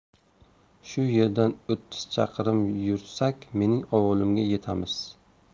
shu yerdan o'ttiz chaqirim yursak mening ovulimga yetamiz